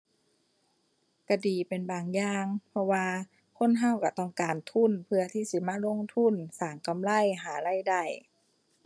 ก็ดีเป็นบางอย่าง เพราะว่าคนก็ก็ต้องการทุน เพื่อที่สิมาลงทุน สร้างกำไร หารายได้